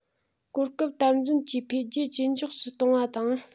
གོ སྐབས དམ འཛིན གྱིས འཕེལ རྒྱས ཇེ མགྱོགས སུ གཏོང བ དང